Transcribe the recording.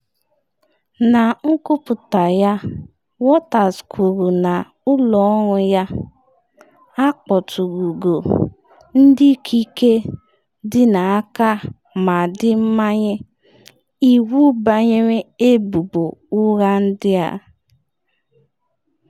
Na nkwuputa ya, Waters kwuru na ụlọ ọrụ ya akpọturugo “ ndị ikike dị n’aka na ndị mmanye iwu banyere ebubo ụgha ndị a.